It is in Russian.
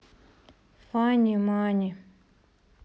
фани мани